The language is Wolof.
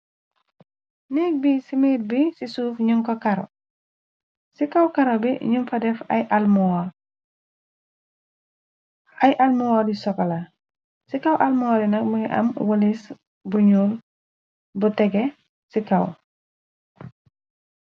Nekk bi simir bi, ci suuf ñun ko karo. Ci kaw karo bi ñum fa def ay almuor, ay almuor yu sokola, ci kaw almoori nak mëngi am walis bu ñul bu tege ci kaw.